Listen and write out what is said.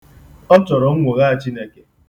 Ọ chọrọ nnwogha Chineke.